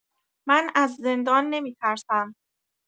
من از زندان نمی‌ترسم!